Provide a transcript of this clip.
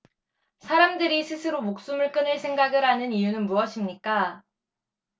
사람들이 스스로 목숨을 끊을 생각을 하는 이유는 무엇입니까